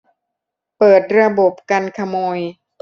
เปิดระบบกันขโมย